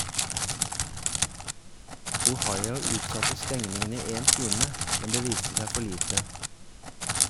Ohio utsatte stengningen i én time, men det viste seg for lite.